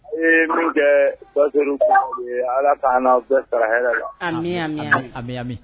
E ye min kɛ Ala ka k'an n'aw bɛɛ sara hɛrɛ la, ami